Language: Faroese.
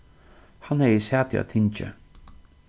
hann hevði sæti á tingi